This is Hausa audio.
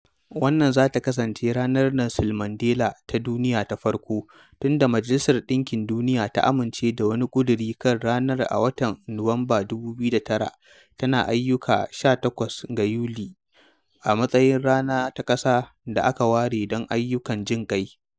Wannan zata kasance Ranar Nelson Mandela ta Duniya ta farko, tunda Majalisar Ɗinkin Duniya ta amince da wani ƙuduri kan ranar a watan Nuwamban 2009, tana ayyana 18 ga Yuli a matsayin rana ta ƙasa da aka ware don ayyukan jinƙai.